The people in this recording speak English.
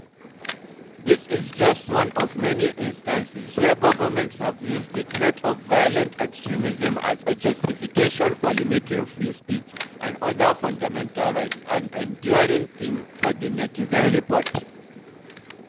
This is just one of many instances where governments have used the threat of violent extremism as a justification for limiting free speech and other fundamental rights — an enduring theme for the Netizen Report.